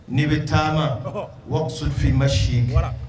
N'i bɛ taama wa f i ma si